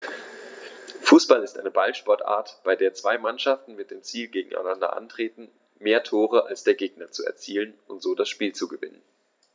Fußball ist eine Ballsportart, bei der zwei Mannschaften mit dem Ziel gegeneinander antreten, mehr Tore als der Gegner zu erzielen und so das Spiel zu gewinnen.